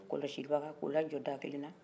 kɔlɔsi baga k'u lajɔ dakelen na